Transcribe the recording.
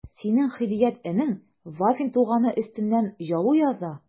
Синең Һидият энең Вафин туганы өстеннән жалу яза...